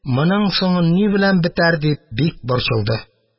Моның соңы ни белән бетәр?» – дип, бик борчылды.